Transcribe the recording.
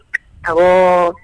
Awɔɔ